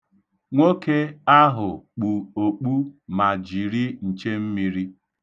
Nwoke ahụ kpu okpu ma jiri nchemmiri.